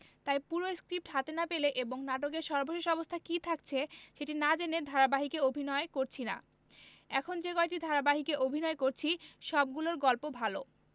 তাই পুরো স্ক্রিপ্ট হাতে না পেলে এবং নাটকের সর্বশেষ অবস্থা কী থাকছে সেটি না জেনে ধারাবাহিকে অভিনয় করছি না এখন যে কয়টি ধারাবাহিকে অভিনয় করছি সবগুলোর গল্প ভালো